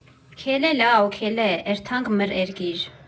Քելե, լաո, քելե, էրթանք մըր էրգիր։